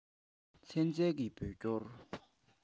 ཚན རྩལ གྱི བོད སྐྱོར